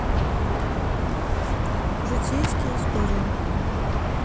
житейские истории